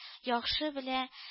Яхшы белә